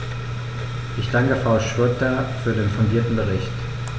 Ich danke Frau Schroedter für den fundierten Bericht.